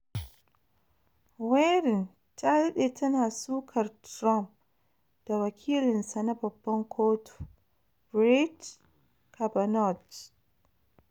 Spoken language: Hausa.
Warren ta dade tana sukar Trump da Wakilin sa na Babban Kotu Brett Kavanaugh.